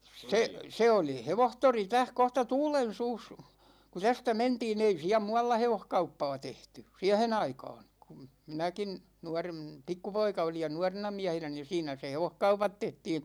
se se oli hevostori tässä kohta Tuulensuussa kun tästä mentiin ei siellä muualla hevoskauppaa tehty siihen aikaan kun minäkin - pikkupoika olin ja nuorena miehenä niin siinä se hevoskaupat tehtiin